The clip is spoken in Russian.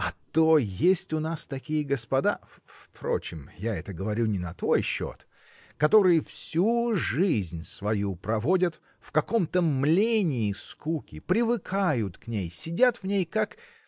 А то есть у нас такие господа -- впрочем, я это говорю не на твой счет, -- которые всю жизнь свою проводят в каком-то млении скуки, привыкают к ней, сидят в ней, как.